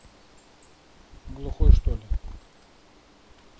глухой что ли